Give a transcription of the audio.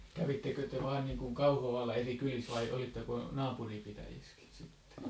kävittekö te vain niin kuin Kauhavalla eri kylissä vai olitteko naapuripitäjissäkin sitten